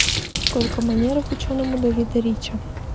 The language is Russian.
сколько манеров ученому давида рича